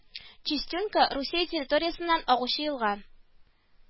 Чистюнька Русия территориясеннән агучы елга